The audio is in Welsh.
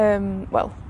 Yym, wel,